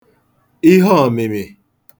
ihe ọ̀mị̀mị̀